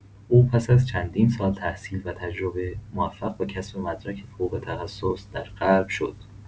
او پس از چندین سال تحصیل و تجربه، موفق به کسب مدرک فوق‌تخصص در قلب شد.